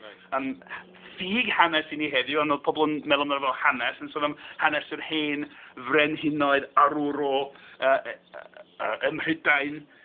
Yym, ffug hanes i ni heddiw ond oedd pobl yn meddwl amdano fo fel hanes, yn sôn am hanes yr hen frenhinoedd arwrol ym Mhrydain.